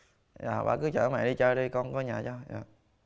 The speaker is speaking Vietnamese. dạ ba cứ chở mẹ đi chơi đi con coi nhà cho dạ